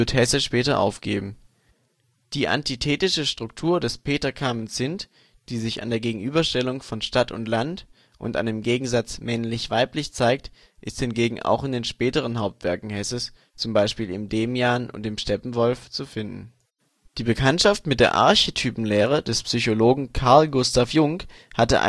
Hesse später aufgeben. Die antithetische Struktur des " Peter Camenzind ", die sich an der Gegenüberstellung von Stadt und Land und an dem Gegensatz männlich - weiblich zeigt, ist hingegen auch in den späteren Hauptwerken Hesses (z. B. im " Demian " und im " Steppenwolf ") zu finden. Die Bekanntschaft mit der Archetypenlehre des Psychologen Carl Gustav Jung hatte